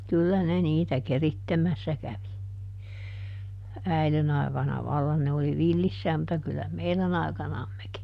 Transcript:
kyllä ne niitä keritsemässä kävi äidin aikana vallan ne oli villissään mutta kyllä meidän aikanammekin